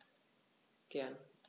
Gern.